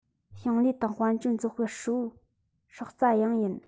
ཞིང ལས དང དཔལ འབྱོར འཛུགས སྤེལ ཧྲིལ པོའི སྲོག རྩ ཡང ཡིན